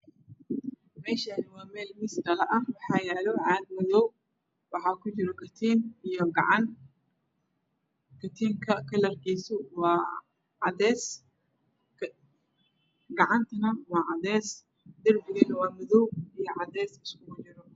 Meeshaan waa meel miis dholo ah waxaa yaalo caag madow kujiro katiin iyo gacan. Katiinka kalarkiisu waa cadeys gacantana waa cadeys. Darbiguna waa cadaan iyo madow isku jira.